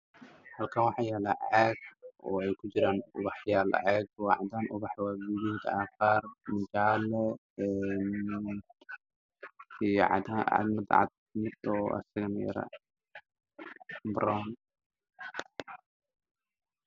Halkan waa miis cadaan ah waxaa saaran ubaxyo ay ku jiraan caadado cagaar guduud jaalle ah